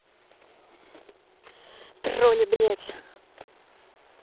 тролли блять